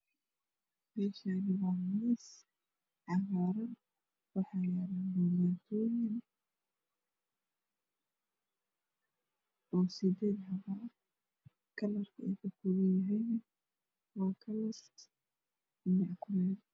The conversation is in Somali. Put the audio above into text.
Meshani waa miis oo cagaran waxayalo bomatoyin oo sided xalo ah kslarka ey kakobanyahay waa nanac kuleel